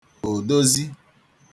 òdozì